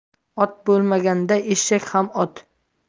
ot bo'lmaganda eshak ham ot